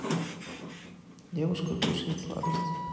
девушка кушает сладости